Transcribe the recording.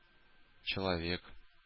Человек